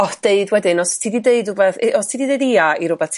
o deud wedyn os wti 'di ddeud wbeth... os ti 'di deud ia i r'wbeth ti